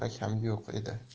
darak xam yo'q edi